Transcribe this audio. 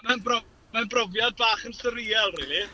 Mae'n brof- mae'n brofiad bach yn surreal rili.